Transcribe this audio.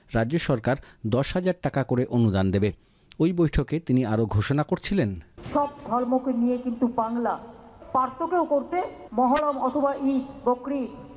রাজ্যের সরকার ১০ হাজার টাকা করে অনুদান দেবে ওই বৈঠকে তিনি আরো ঘোষণা করেছিলেন সব ধর্মকে নিয়ে কিন্তু বাংলা পারত কেউ করতে মহরম অথবা ঈদ বকরি